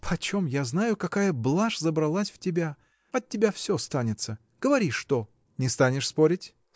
— Почем я знаю, какая блажь забралась в тебя? От тебя всё станется! Говори — что? — Не станешь спорить?